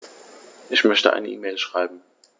Ich möchte eine E-Mail schreiben.